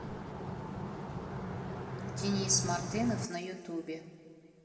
денис мартынов на ютубе